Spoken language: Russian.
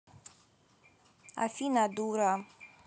афина дура